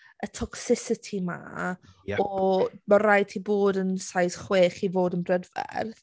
y toxicity 'ma... ie ...o mae'n rhaid ti bod yn size chwech i fod yn brydferth.